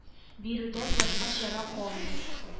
Бирүдән башка чара калмый